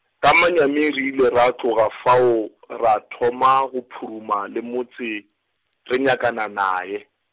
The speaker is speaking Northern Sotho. ka manyami re ile ra tloga fao, ra thoma go pharuma le motse, re nyakana naye.